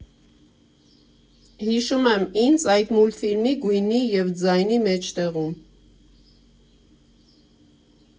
Հիշում եմ ինձ այդ մուլտֆիլմի գույնի և ձայնի մեջտեղում։